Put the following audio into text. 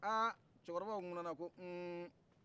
ahhh cɛkɔrɔbaw ngunana ko unmm